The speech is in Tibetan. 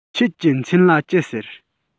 ཁྱེད ཀྱི མཚན ལ ཅི ཟེར